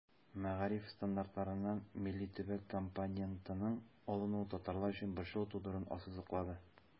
Мәгариф стандартларыннан милли-төбәк компонентының алынуы татарлар өчен борчылу тудыруын ассызыклады.